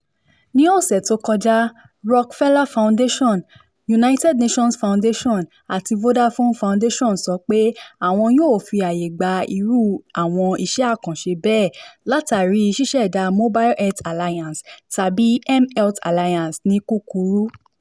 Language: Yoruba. Ní ọ̀ṣẹ̀ tó kọjá Rockefeller Foundation, United Nations Foundation, àti Vodafone Foundation sọ pé àwọn yóò fi aàyè gba irú àwọn iṣẹ́ àkanṣe bẹ́ẹ̀ látàrí ṣíṣèdá Mobile Health Alliance (tàbí mHealth Alliance ní kúkurú).